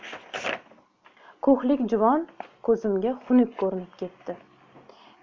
ko'hlik juvon ko'zimga xunuk ko'rinib ketdi